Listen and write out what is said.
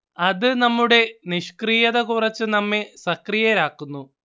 അത് നമ്മുടെ നിഷ്ക്രിയത കുറച്ച് നമ്മെ സക്രിയരാക്കുന്നു